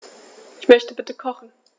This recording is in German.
Ich möchte bitte kochen.